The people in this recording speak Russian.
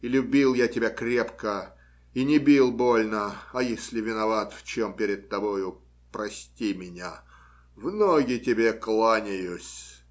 И любил я тебя крепко и не бил больно, а если виноват в чем перед тобою, прости меня, в ноги тебе кланяюсь.